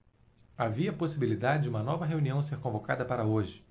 havia possibilidade de uma nova reunião ser convocada para hoje